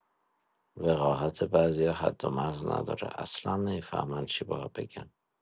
وقاحت بعضیا حد و مرز نداره، اصلا نمی‌فهمن چی باید بگن.